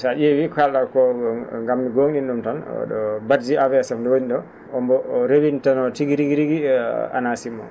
so a ?eewi ko kaal?aako ngam mi gom?in ?um tan ?o Badji AVC mo woni ?o mbo rewinteno tigi rigi rigi e ANACIM o